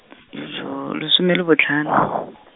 lesome le botlhano.